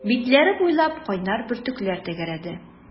Битләре буйлап кайнар бөртекләр тәгәрәде.